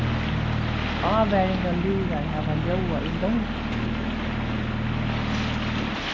ávaringarlúðrar hava ljóðað í longri tíð